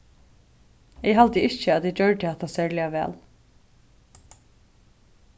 eg haldi ikki at eg gjørdi hatta serliga væl